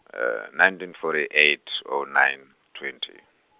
nineteen fourty eight, oh nine, twenty.